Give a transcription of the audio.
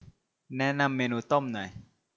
แนะนำเมนูต้มหน่อย